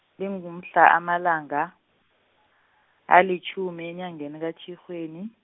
lingumhla, amalanga, alitjhumi anyangeni kaTjhirhweni.